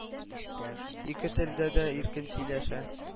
Ике телдә дә иркен сөйләшә.